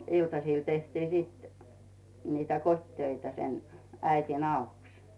iltasilla tehtiin sitten niitä kotitöitä sen äidin avuksi